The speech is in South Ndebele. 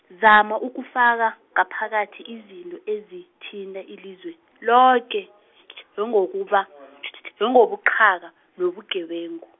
Zama ukufaka, ngaphakathi izinto ezithinta, ilizwe loke, njengokuba njengobuqhaka, nobugebengu.